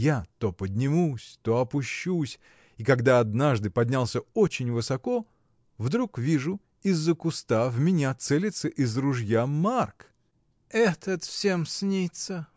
Я то поднимусь, то опущусь — и, когда однажды поднялся очень высоко, вдруг вижу, из-за куста в меня целится из ружья Марк. — Этот всем снится